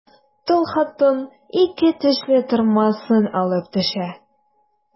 Тол хатын ике тешле тырмасын алып төшә.